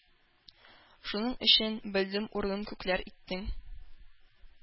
Шуның өчен, белдем, урным күкләр иттең.